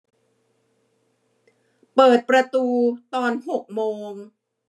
เปิดประตูตอนหกโมง